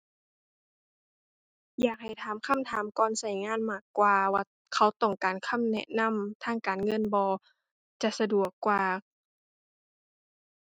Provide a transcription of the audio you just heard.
อยากให้ถามคำถามก่อนใช้งานมากกว่าว่าเขาต้องการคำแนะนำทางการเงินบ่ จะสะดวกกว่า